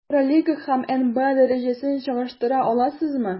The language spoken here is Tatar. Евролига һәм НБА дәрәҗәсен чагыштыра аласызмы?